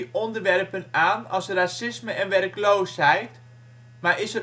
onderwerpen aan als racisme en werkloosheid, maar is